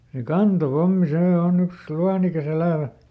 se kantopommi se on yksi luonnikas elävä